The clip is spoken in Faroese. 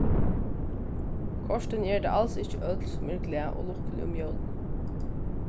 kortini eru tað als ikki øll sum eru glað og lukkulig um jólini